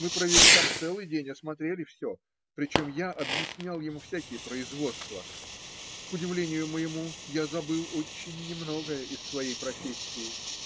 мы провели там целый день, осмотрели все, причем я объяснял ему всякие производства (к удивлению моему, я забыл очень немногое из своей профессии)